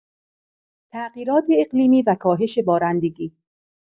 تغییرات اقلیمی و کاهش بارندگی